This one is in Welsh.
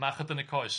Bach o dynnu coes...